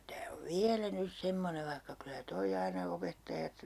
tämä tämä on vielä nyt semmoinen vaikka kyllä tuo aina opettajat